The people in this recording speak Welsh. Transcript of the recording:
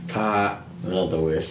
A... Mae hynna'n dywyll.